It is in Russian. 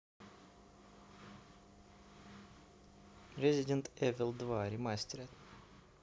resident evil два ремастер